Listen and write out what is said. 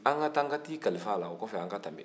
an ka taa n k'i kalaif'a la o kɔfɛ an ka tɛmɛ